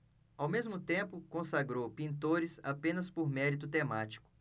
ao mesmo tempo consagrou pintores apenas por mérito temático